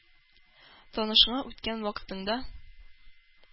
Танышыңа үткән вактыңда,